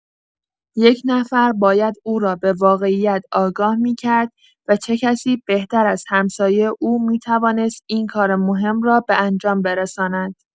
یک نفر باید او را به واقعیت آگاه می‌کرد و چه کسی بهتر از همسایه او می‌توانست این کار مهم را به انجام برساند.